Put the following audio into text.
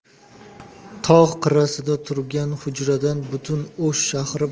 tog' qirrasida turgan hujradan butun o'sh shahri